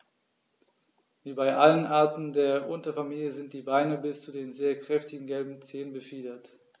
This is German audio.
Wie bei allen Arten der Unterfamilie sind die Beine bis zu den sehr kräftigen gelben Zehen befiedert.